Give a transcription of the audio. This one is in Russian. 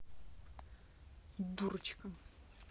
дурочка